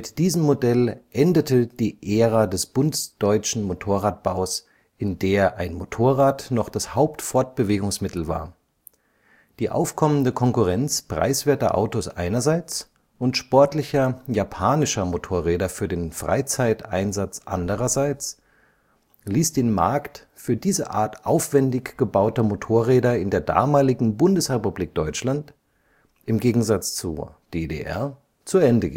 diesem Modell endete die Ära des bundesdeutschen Motorradbaus, in der ein Motorrad noch das Hauptfortbewegungsmittel war. Die aufkommende Konkurrenz preiswerter Autos einerseits und sportlicher japanischer Motorräder für den Freizeiteinsatz andererseits ließ den Markt für diese Art aufwendig gebauter Motorräder in der damaligen Bundesrepublik Deutschland – im Gegensatz zur DDR – zu Ende